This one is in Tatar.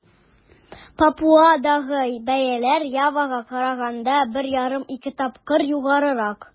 Папуадагы бәяләр Явага караганда 1,5-2 тапкыр югарырак.